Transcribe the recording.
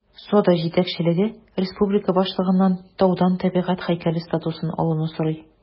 Сода җитәкчелеге республика башлыгыннан таудан табигать һәйкәле статусын алуны сорый.